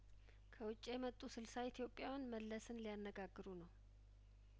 ከውጭ የመጡ ስልሳ ኢትዮጵያውያን መለስን ሊያናግሩ ነው